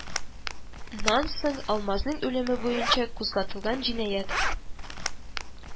Нан соң, алмазның үлеме буенча кузгатылган җинаять